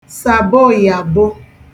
sàboyàbo